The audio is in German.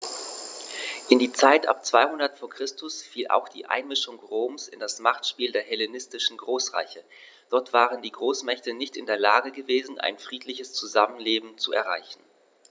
In die Zeit ab 200 v. Chr. fiel auch die Einmischung Roms in das Machtspiel der hellenistischen Großreiche: Dort waren die Großmächte nicht in der Lage gewesen, ein friedliches Zusammenleben zu erreichen.